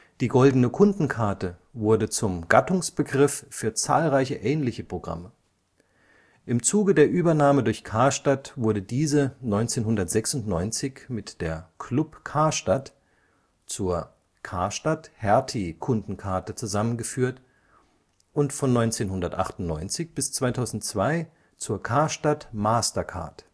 Die Goldene Kundenkarte wurde zum Gattungsbegriff für zahlreiche ähnliche Programme. Im Zuge der Übernahme durch Karstadt wurde diese 1996 mit der Klub Karstadt zur Karstadt – Hertie Kundenkarte zusammengeführt, und von 1998 bis 2002 zur Karstadt MasterCard